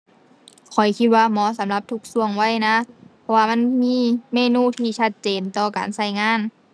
ข้อยคิดว่าเหมาะสำหรับทุกช่วงวัยนะ เพราะว่ามันมีเมนูที่ชัดเจนต่อการช่วงงาน